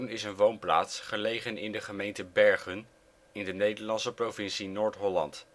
is een woonplaats gelegen in de gemeente Bergen in de Nederlandse provincie Noord-Holland